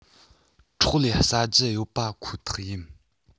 ཁྲོག ལེ ཟ རྒྱུ ཡོད པ ཁོ ཐག ཡིན